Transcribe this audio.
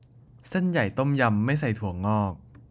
เส้นใหญ่ต้มยำไม่ใส่ถั่วงอก